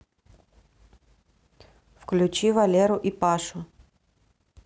включи валеру и пашу